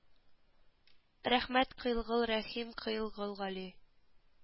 Рәхмәт кыйлгыл рәхим кыйл кол гали